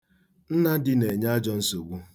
Nnadi na-enye ajọ nsogbu.